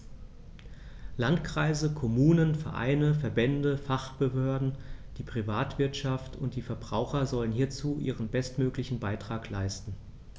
Landkreise, Kommunen, Vereine, Verbände, Fachbehörden, die Privatwirtschaft und die Verbraucher sollen hierzu ihren bestmöglichen Beitrag leisten.